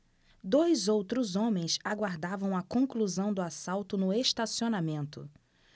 dois outros homens aguardavam a conclusão do assalto no estacionamento